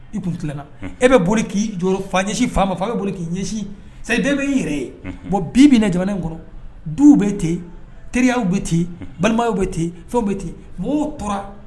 I kun tilenna unhun ,e bɛ boli k'ii jɔ k'i ɲɛsi fa man, fa bɛ boli k'i ɲɛsinـ ـ ca dire ـ ـden bɛ y'i yɛrɛ ye ـ ـ bɔnـ ـ , bɛ kɛn bɛ i yɛrɛ ye bi bi in na, jamana kɔrɔ duw bɛ ten,, teriyaw bɛ ten , balimayaw bɛ ten, fɛnw bɛ ten mɔgɔw tora.